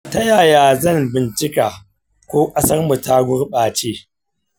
ta yaya zan bincika ko ƙasarmu ta gurɓace?